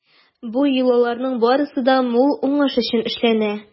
Бу йолаларның барысы да мул уңыш өчен эшләнә.